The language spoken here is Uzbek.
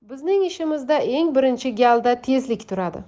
bizning ishimizda eng birinchi galda tezlik turadi